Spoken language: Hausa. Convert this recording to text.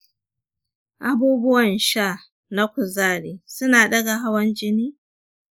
abubuwan sha na kuzari suna ɗaga hawan jini?